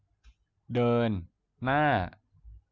เดินหน้า